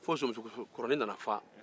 fɔ somusokɔrɔnin nana fa